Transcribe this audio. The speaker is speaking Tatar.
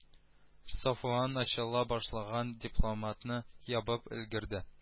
Сафуан ачыла башлаган дипломатны ябып өлгерде